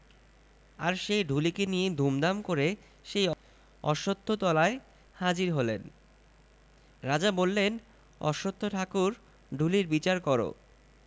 আর সেই চুলিকে নিয়ে ধুমধাম করে সেই অশ্বত্থতলায় হাজির হলেন রাজা বললেন অশ্বত্থ ঠাকুর ঢুলির বিচার কর